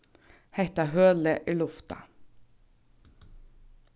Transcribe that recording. hetta hølið er luftað